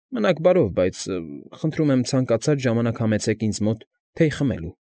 Մնաք բարով, բայց, խնդրում եմ ցանկացած ժամանակ համեցեք ինձ մոտ թեյ խմելու։